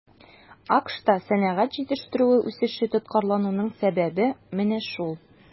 АКШта сәнәгать җитештерүе үсеше тоткарлануның сәбәбе менә шул.